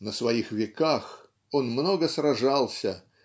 на своих веках он много сражался